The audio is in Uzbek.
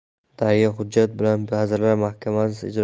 daryo hujjat bilan vazirlar mahkamasi